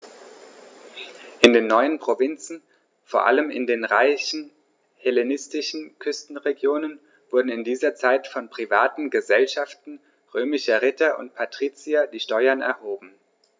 In den neuen Provinzen, vor allem in den reichen hellenistischen Küstenregionen, wurden in dieser Zeit von privaten „Gesellschaften“ römischer Ritter und Patrizier die Steuern erhoben.